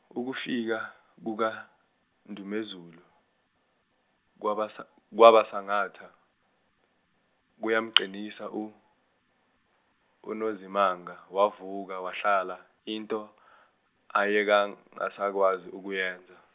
ukufika kukaNdumezulu, kwaba se-, kwaba sengathi kuyamqinisa u- uNozimanga wavuka wahlala into ayengasakwazi ukuyenza.